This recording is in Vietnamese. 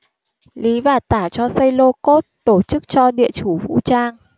lý và tả cho xây lô cốt tổ chức cho địa chủ vũ trang